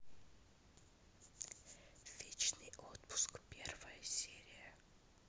вечный отпуск первая серия